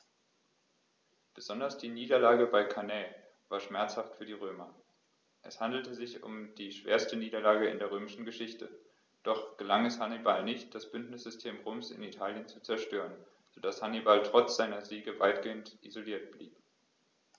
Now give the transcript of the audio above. Besonders die Niederlage bei Cannae war schmerzhaft für die Römer: Es handelte sich um die schwerste Niederlage in der römischen Geschichte, doch gelang es Hannibal nicht, das Bündnissystem Roms in Italien zu zerstören, sodass Hannibal trotz seiner Siege weitgehend isoliert blieb.